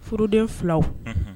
Furuden filaw, unhun.